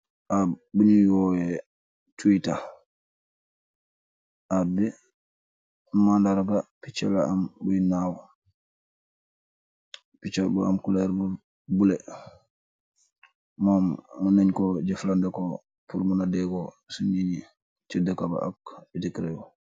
App bujuh wohyeh twinter , app bi madargahi pijaah laah emm bui naaw , pijaah bu emm kuloor bu blue , moom mun neen kooh jofendeykok bul muna deykooh si deykahbah ak jusi reew baah.